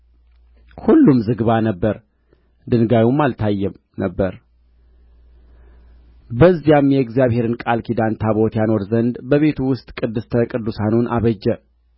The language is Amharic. ሁሉም ዝግባ ነበረ ድንጋዩም አልታየም ነበር በዚያም የእግዚአብሔርን ቃል ኪዳን ታቦት ያኖር ዘንድ በቤቱ ውስጥ ቅድስተ ቅዱሳኑን አበጀ